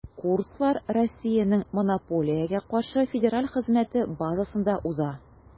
Курслар Россиянең Монополиягә каршы федераль хезмәте базасында уза.